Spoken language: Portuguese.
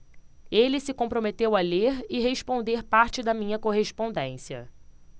ele se comprometeu a ler e responder parte da minha correspondência